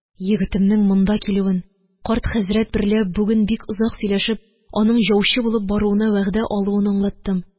Егетемнең монда килүен, карт хәзрәт берлә бүген бик озак сөйләшеп, аның җаучы булып баруына вәгъдә алуын аңлаттым...